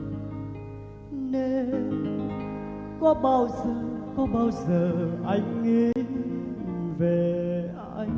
như thế nên có bao giờ có bao giờ anh nghĩ về anh